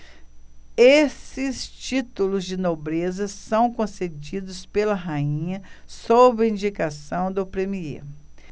esses títulos de nobreza são concedidos pela rainha sob indicação do premiê